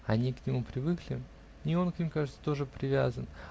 Они к нему привыкли, и он к ним, кажется, точно привязан